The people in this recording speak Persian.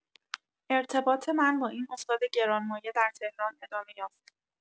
ارتباط من با این استاد گرانمایه در تهران ادامه یافت.